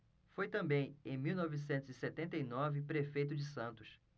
foi também em mil novecentos e setenta e nove prefeito de santos